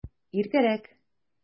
Иртәрәк!